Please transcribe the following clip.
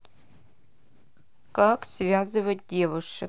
как связывать девушек